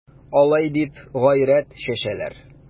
Алай дип гайрәт чәчәләр...